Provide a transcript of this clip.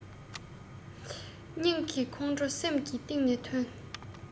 སྙིང གི ཁོང ཁྲོ སེམས ཀྱི གཏིང ནས ཐོན